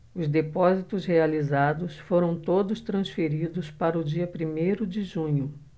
os depósitos realizados foram todos transferidos para o dia primeiro de junho